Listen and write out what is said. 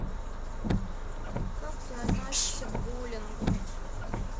как ты относишься к булингу